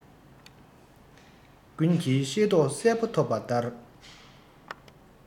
ཀུན གྱིས ཤེས རྟོགས གསལ པོ ཐུབ པ ལྟར